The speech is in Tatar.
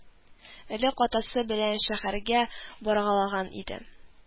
Элек атасы белән шәһәргә баргалаган иде